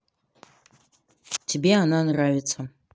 тебе она нравится